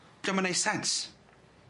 'Dio'm yn neu' sense?